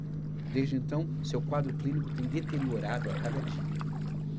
desde então seu quadro clínico tem deteriorado a cada dia